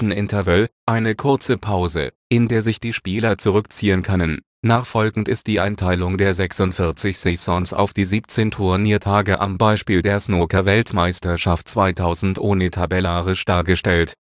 interval, eine kurze Pause, in der sich die Spieler zurückziehen können. Nachfolgend ist die Einteilung der 46 Sessions auf die 17 Turniertage am Beispiel der Snookerweltmeisterschaft 2011 tabellarisch dargestellt